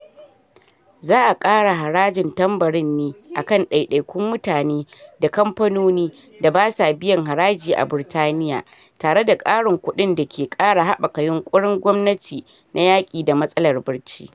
Za a ƙara harajin tambarin ne a kan ɗaiɗaikun mutane da kamfanoni da ba sa biyan haraji a Burtaniya, tare da ƙarin kuɗin da ke ƙara haɓaka yunkurin gwamnati na yaki da matsalar barci.